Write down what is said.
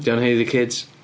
'Di o'n haeddu kids?